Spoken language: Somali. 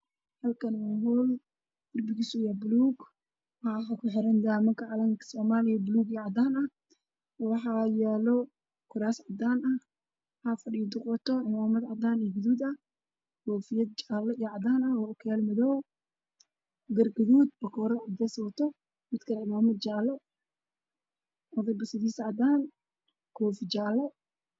Halkaan waa hool darbigiisa waa buluug waxaa ku xiran daaha calanka somalia buluug iyo cadaan ah waxaa yaalo kuraas cadaan ah waxaa fadhiyo duq wato cimaamad cadaan iyo guduud ah koofiyad cadaan iyo jaalo ah iyo ookiyaalo madaw ah gar gaduud bakoorad cadays wato mid kalena cimaamad jaale odayga basadiisa cadaan koofi jaalo